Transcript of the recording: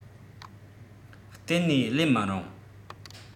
གཏན ནས ལེན མི རུང